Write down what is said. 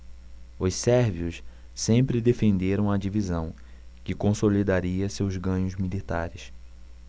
os sérvios sempre defenderam a divisão que consolidaria seus ganhos militares